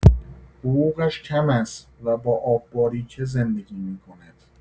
حقوقش کم است و با آب‌باریکه زندگی می‌کند.